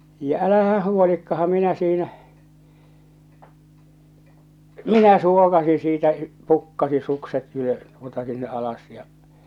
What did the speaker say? ja älähän huolikaan minä siinä minä suokasin siitä pukkasin sukset - tuota sinne alas ja